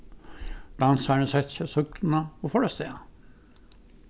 dansarin setti seg á súkkluna og fór avstað